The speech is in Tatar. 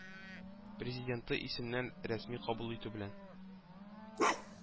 Президенты исеменнән рәсми кабул итү белән